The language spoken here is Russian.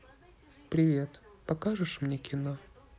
привет покажешь мне кино